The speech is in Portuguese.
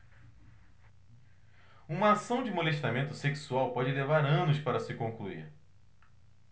uma ação de molestamento sexual pode levar anos para se concluir